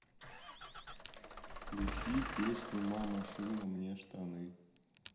включи песню мама шила мне штаны